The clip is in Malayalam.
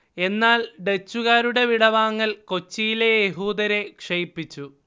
എന്നാൽ ഡച്ചുകാരുടെ വിടവാങ്ങൽ കൊച്ചിയിലെ യഹൂദരെ ക്ഷയിപ്പിച്ചു